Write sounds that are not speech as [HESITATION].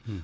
[HESITATION]